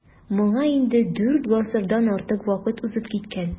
Моңа инде дүрт гасырдан артык вакыт узып киткән.